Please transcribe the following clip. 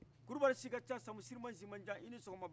kulubali sikaca samu samusirima sirimaca i ni sɔgɔma